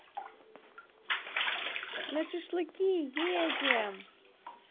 на шашлыки едем